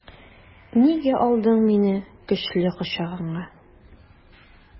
Нигә алдың мине көчле кочагыңа?